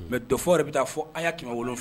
Mɛ dɔfɔw de bɛ taa fɔ a y'a kɛmɛ fɛ